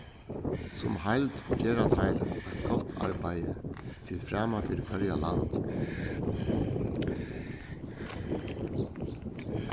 sum heild gera teir eitt gott arbeiði til frama fyri føroya land